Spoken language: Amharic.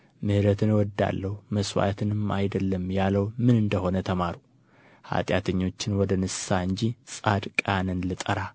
ምሕረትን እወዳለሁ መሥዋዕትንም አይደለም ያለው ምን እንደ ሆነ ተማሩ ኃጢአተኞችን ወደ ንስሐ እንጂ ጻድቃንን ልጠራ